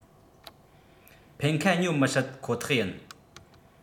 ཕན ཁ ཉོ མི སྲིད ཁོ ཐག ཡིན